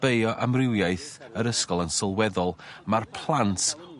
bio amrywiaeth yr ysgol yn sylweddol ma'r plant